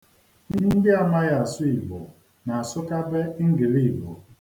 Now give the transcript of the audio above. Ndị amaghị asụ Igbo na-asụkabe ngiliigbo.